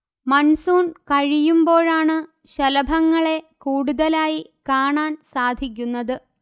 monsoon കഴിയുമ്പോഴാണ് ശലഭങ്ങളെ കൂടുതലായി കാണാൻ സാധിക്കുന്നത്